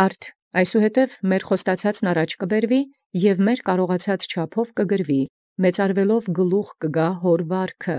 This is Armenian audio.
Արդ այսուհետև և խոստացեալն առաջի դիցի, և հայրենակատար մեծարեալ պայմանաւ որ առ ի մէնջ՝ հաճեսցի,